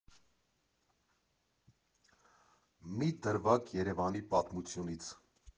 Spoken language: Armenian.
Մի դրվագ Երևանի պատմությունից։